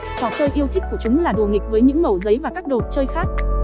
trò chơi yêu thích của chúng là đùa nghịch với những mẩu giấy và các đồ chơi khác